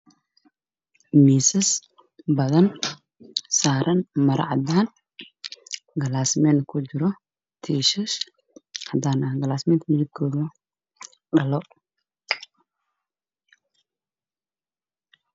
Waa miisas badan saran tiish